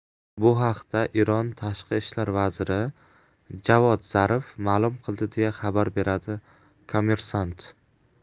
bu haqda eron tashqi ishlar vaziri javod zarif ma'lum qildi deya xabar beradi kommersant